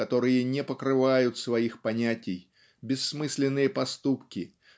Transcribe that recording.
которые не покрывают своих понятий бессмысленные поступки